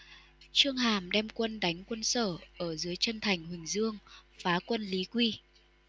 chương hàm đem quân đánh quân sở ở dưới chân thành huỳnh dương phá quân lý quy